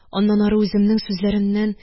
Аннан ары үземнең сүзләремнән